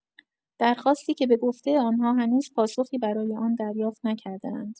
درخواستی که به گفته آن‌ها هنوز پاسخی برای آن دریافت نکرده‌اند.